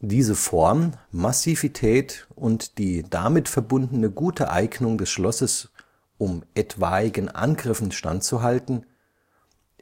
Diese Form, Massivität und die damit verbundene gute Eignung des Schlosses um etwaigen Angriffen standzuhalten